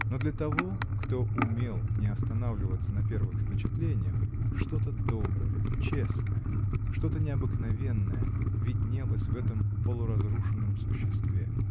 но для того, кто умел не останавливаться на первых впечатлениях, что-то доброе, честное, что-то необыкновенное виднелось в этом полуразрушенном существе.